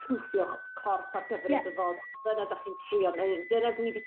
prwffio'ch corff ar gyfer y dyfodol. Dyna 'dach chi'n trio neud, dyna dwi 'di